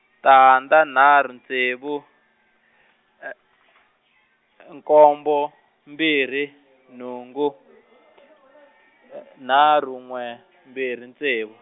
tandza nharhu ntsevu , nkombo mbirhi nhungu , nharhu n'we, mbirhi ntsevu.